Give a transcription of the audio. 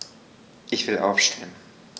Ich will aufstehen.